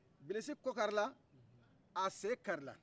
bilisi kɔ karila a sen karila